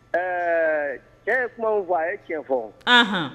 Ɛɛ cɛ ye kuma min fɔ a ye tiɲɛ fɔ, Ɔnhɔn.